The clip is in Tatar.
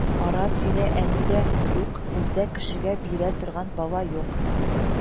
Ара-тирә әни дә: "Юк, бездә кешегә бирә торган бала юк